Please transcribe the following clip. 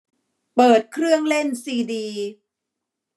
เปิดเครื่องเล่นซีดี